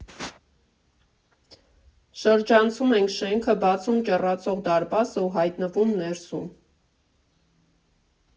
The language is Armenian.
Շրջանցում ենք շենքը, բացում ճռռացող դարպասը ու հայտնվում ներսում։